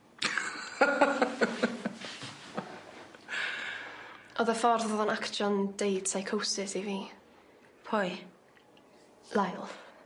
O'dd y ffordd o'dd o'n actio'n deud seicosis i fi. Pwy? Lyle.